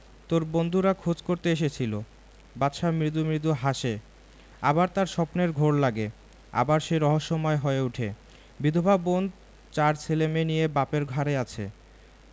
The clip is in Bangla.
তোর বন্ধুরা খোঁজ করতে এসেছিলো বাদশা মৃদু মৃদু হাসে আবার তার স্বপ্নের ঘোর লাগে আবার সে রহস্যময় হয়ে উঠে বিধবা বোন চার ছেলেমেয়ে নিয়ে বাপের ঘাড়ে আছে